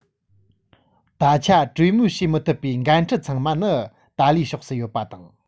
ད ཆ གྲོས མོལ བྱེད མི ཐུབ པའི འགན འཁྲི ཚང མ ནི ཏཱ ལའི ཕྱོགས སུ ཡོད པ དང